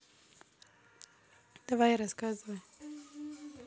давай рассказывай